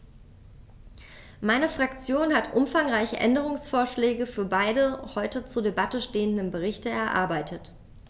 Meine Fraktion hat umfangreiche Änderungsvorschläge für beide heute zur Debatte stehenden Berichte erarbeitet.